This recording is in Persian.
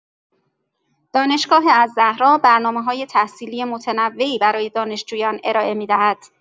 دانشگاه الزهراء برنامه‌‌های تحصیلی متنوعی برای دانشجویان ارائه می‌دهد.